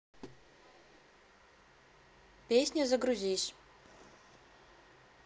песни загрузись